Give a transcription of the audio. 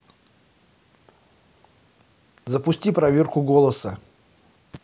запусти проверку голоса